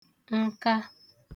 nka